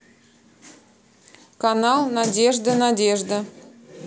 канал надежда надежда